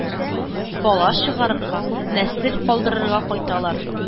Бала чыгарырга, нәсел калдырырга кайталар.